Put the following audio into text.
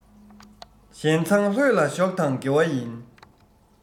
གཞན མཚང ལྷོད ལ ཞོག དང དགེ བ ཡིན